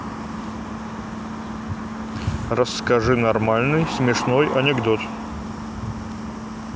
расскажи нормальный смешной анекдот